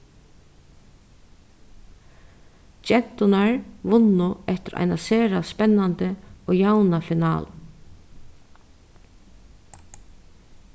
genturnar vunnu eftir eina sera spennandi og javna finalu